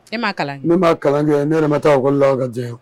E ma kalan? Ne ma kalan kɛ, ne yɛrɛ ma taa école la k'a jayan.